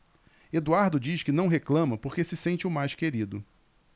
eduardo diz que não reclama porque se sente o mais querido